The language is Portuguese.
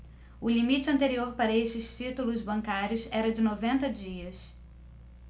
o limite anterior para estes títulos bancários era de noventa dias